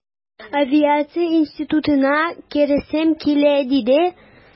Авиация институтына керәсем килә, диде...